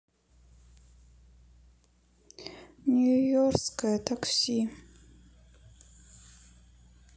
нью йоркское такси